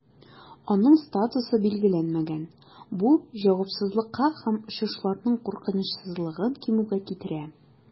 Аның статусы билгеләнмәгән, бу җавапсызлыкка һәм очышларның куркынычсызлыгын кимүгә китерә.